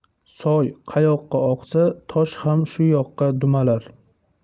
soy qayoqqa oqsa tosh ham shu yoqqa dumalar